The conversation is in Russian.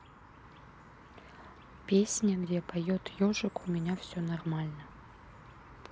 песни где поет ежик у меня все нормально